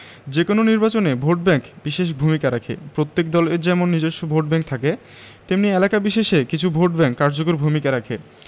যেকোনো নির্বাচনে ভোটব্যাংক বিশেষ ভূমিকা রাখে প্রত্যেক দলের যেমন নিজস্ব ভোটব্যাংক থাকে তেমনি এলাকা বিশেষে কিছু ভোটব্যাংক কার্যকর ভূমিকা রাখে